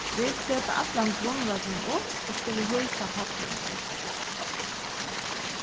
vit seta allan grundvøllin upp og skulu hýsa pallinum